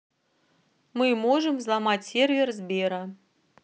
мы можем взломать сервер сбера